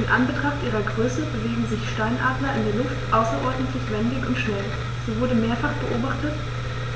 In Anbetracht ihrer Größe bewegen sich Steinadler in der Luft außerordentlich wendig und schnell, so wurde mehrfach beobachtet,